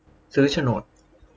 ซื้อโฉนด